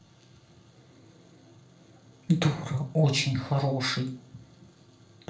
дура очень хороший